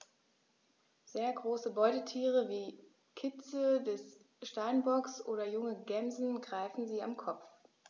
Sehr große Beutetiere wie Kitze des Steinbocks oder junge Gämsen greifen sie am Kopf.